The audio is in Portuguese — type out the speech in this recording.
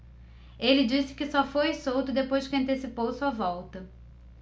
ele disse que só foi solto depois que antecipou sua volta